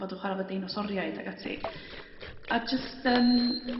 fod yn chwara' 'fo deinosoriaid ag ati, a jyst yrm